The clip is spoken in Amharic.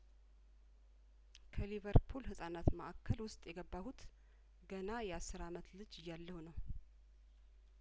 ከሊቨርፑል ህጻናት ማእከል ውስጥ የገባሁት ገና የአስር አመት ልጅ እያለሁ ነው